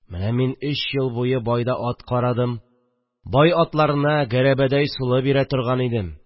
Менә мин өч ел буе байда ат карадым, бай атларына гәрәбәдәй солы бирә торган идем